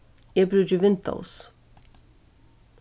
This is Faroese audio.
eg brúki windows